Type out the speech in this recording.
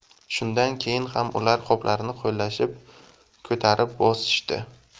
shundan keyin ham ular qoplarni qo'llashib ko'tarib bosishdi